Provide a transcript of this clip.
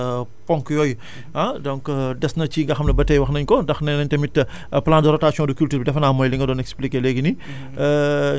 ba tey rek ci ponk yooyu ah donc des na ci nga xam ne ba tey wax nañ ko ndax nee nañ tamit plan de rotation de culture bi defe naa mooy li nga doon expliqué léegi nii